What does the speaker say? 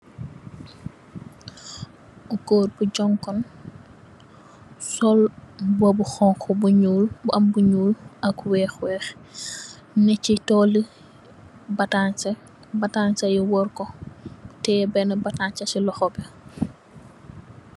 Ku gór ku jonkon sol mbuba bu xonxu bu am lu ñuul ak wèèx wèèx , dèè ci tooli patancè, patancè yi war ko. Teyeh benna patancè ci loxom bi.